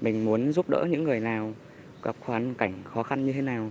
mình muốn giúp đỡ những người nào gặp hoàn cảnh khó khăn như thế nào